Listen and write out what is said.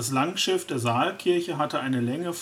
Langschiff der Saalkirche hatte eine